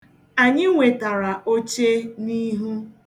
Anyị nwetara oche n'ihu.